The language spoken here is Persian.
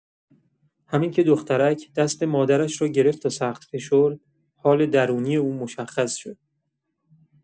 همین که دخترک دست مادرش را گرفت و سخت فشرد، حال درونی او مشخص شد.